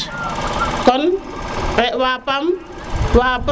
konn wa Pam